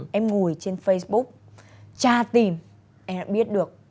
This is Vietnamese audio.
em ngồi trên phây búc tra tìm em đã biết được